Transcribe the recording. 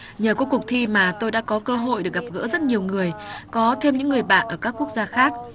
nhờ có cuộc thi mà tôi đã có cơ hội được gặp gỡ rất nhiều người có thêm những người bạn ở các quốc gia khác